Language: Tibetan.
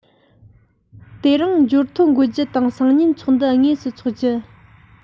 དེ རིང འབྱོར ཐོ འགོད རྒྱུ དང སང ཉིན ཚོགས འདུ དངོས སུ འཚོག རྒྱུ